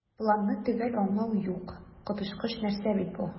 "планны төгәл аңлау юк, коточкыч нәрсә бит бу!"